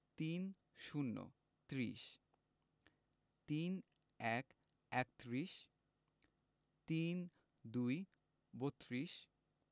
৩০ - ত্রিশ ৩১ - একত্রিশ ৩২ - বত্ৰিশ